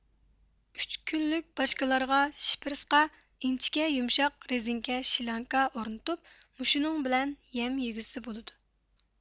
ئۈچ كۈنلۈك باچكىلارغا شپىرىسقا ئىنچىكە يۇمشاق رېزىنكە شلانكا ئورنىتىپ مۇشۇنىڭ بىلەن يەم يېگۈزسە بولىدۇ